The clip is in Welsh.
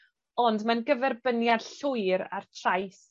Ond ma'n gyferbyniad llwyr a'r trais